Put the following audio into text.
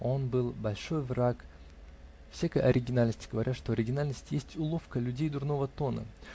Он был большой враг всякой оригинальности, говоря, что оригинальность есть уловка людей дурного тона.